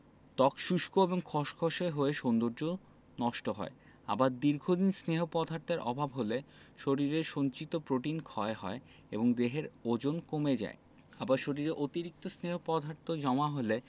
ত্বক শুষ্ক এবং খসখসে হয়ে সৌন্দর্য নষ্ট হয় দীর্ঘদিন স্নেহ পদার্থের অভাব হলে শরীরের সঞ্চিত প্রোটিন ক্ষয় হয় এবং দেহের ওজন কমে যায় আবার শরীরে অতিরিক্ত স্নেহ পদার্থ জমা হলে